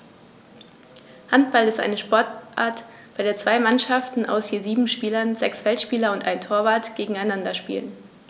Handball ist eine Sportart, bei der zwei Mannschaften aus je sieben Spielern (sechs Feldspieler und ein Torwart) gegeneinander spielen.